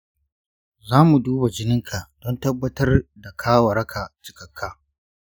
za mu duba jininka don tabbatar da ka waraka cikakka.